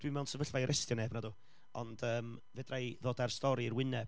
dwi'm mewn sefyllfa i arestio neb nadw, ond, yym, fedra i ddod a'r stori i'r wyneb,